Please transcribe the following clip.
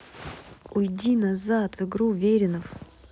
уйди назад в игру веринов